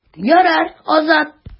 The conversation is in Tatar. Ярар, Азат.